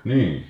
niin